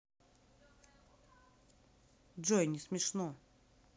джой не смешно